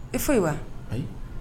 I fɔ yen wa